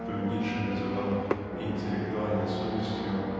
что Ницше называл интеллектуальной совестью